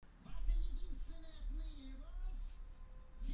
добро играть